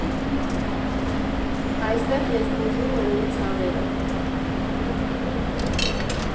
Այստեղ ես բուժում եմ իմ ցավերը։